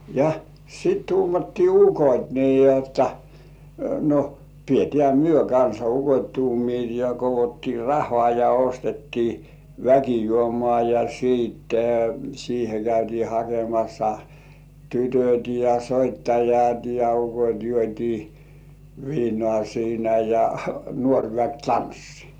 ja sitten tuumattiin ukot niin jotta no pidetään me kanssa ukot tuumivat ja koottiin rahaa ja ostettiin väkijuomaa ja sitten siihen käytiin hakemassa tytöt ja soittajat ja ukot juotiin viinaa siinä ja nuori väki tanssi